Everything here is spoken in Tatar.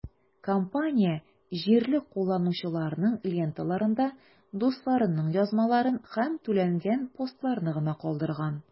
Компания җирле кулланучыларның ленталарында дусларының язмаларын һәм түләнгән постларны гына калдырган.